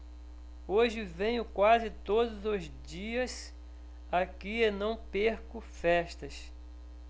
hoje venho quase todos os dias aqui e não perco festas